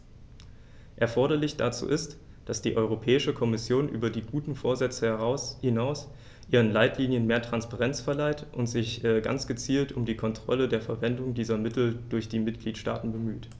Erforderlich dazu ist, dass die Europäische Kommission über die guten Vorsätze hinaus ihren Leitlinien mehr Transparenz verleiht und sich ganz gezielt um die Kontrolle der Verwendung dieser Mittel durch die Mitgliedstaaten bemüht.